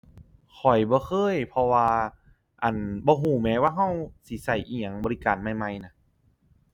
ข้อยบ่เคย เพราะว่า อั่น บ่รู้แหม ว่ารู้สิรู้อิหยังบริการใหม่ใหม่น่ะ